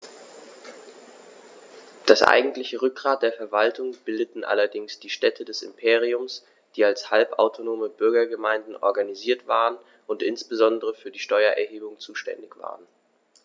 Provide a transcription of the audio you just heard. Das eigentliche Rückgrat der Verwaltung bildeten allerdings die Städte des Imperiums, die als halbautonome Bürgergemeinden organisiert waren und insbesondere für die Steuererhebung zuständig waren.